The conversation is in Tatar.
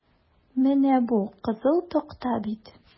Менә бу кызыл такта бит?